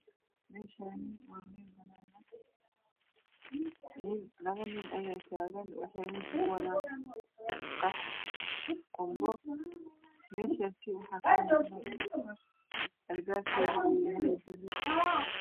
Meeshaani waa meel banaan ah labo nin ayaa taagan waxay meesha ku wadaan qurbo meeshaasi waxa ka muuqda masar albaabkeedu yahay buluug